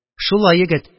Шулай, егет